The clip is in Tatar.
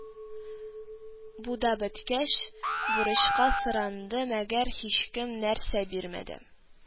Бу да беткәч, бурычка соранды, мәгәр һичкем нәрсә бирмәде